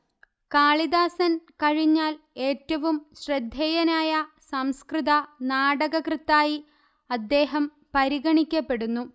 കാളിദാസൻ കഴിഞ്ഞാൽ ഏറ്റവും ശ്രദ്ധേയനായ സംസ്കൃതനാടകകൃത്തായി അദ്ദേഹം പരിഗണിക്കപ്പെടുന്നു